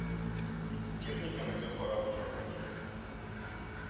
Техниканы гел карап торырга кирәк